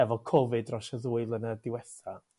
efo Cofid dros y ddwy flynedd diwetha.